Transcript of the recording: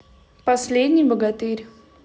последний богатырь